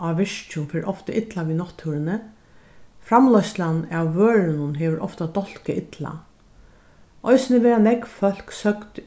á virkjum fer ofta illa við náttúruni framleiðslan av vørunum hevur ofta dálkað illa eisini verða nógv fólk søgd